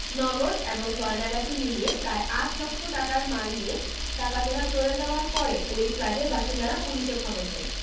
নগদ এবং গয়নাগাটি মিলিয়ে প্রায় আট লক্ষ টাকার মাল নিয়ে ডাকাতের চলে যাওয়ার পরে ওই ফ্ল্যাটের বাসিন্দারা পুলিশে খবর দেন